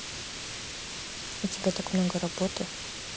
у тебя так много работы